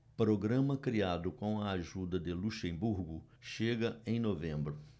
programa criado com a ajuda de luxemburgo chega em novembro